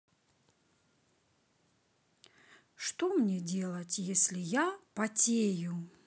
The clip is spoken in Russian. что мне делать если я потею